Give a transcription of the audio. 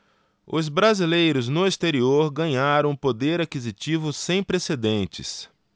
os brasileiros no exterior ganharam um poder aquisitivo sem precedentes